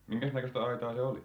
minkäs näköistä aitaa se oli